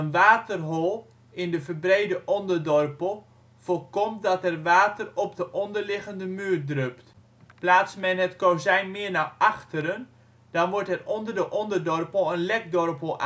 waterhol in de verbrede onderdorpel voorkomt dat er water op de onderliggende muur drupt. Plaatst men het kozijn meer naar achteren dan wordt er onder de onderdorpel een lekdorpel